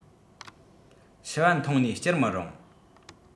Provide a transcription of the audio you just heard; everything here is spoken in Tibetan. ཤི བ མཐོང ནས སྐྱུར མི རུང